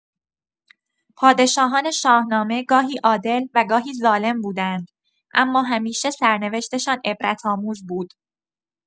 پادشاهان شاهنامه گاهی عادل و گاهی ظالم بودند، اما همیشه سرنوشتشان عبرت‌آموز بود.